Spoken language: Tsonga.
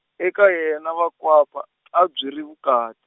eka yena vakwapa a byi ri vukat-.